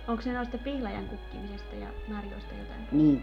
onkos ne noista pihlajan kukkimisesta ja marjoista jotakin puhunut